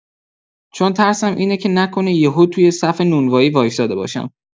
چون ترسم اینه که نکنه یهو توی صف نونوایی وایساده باشم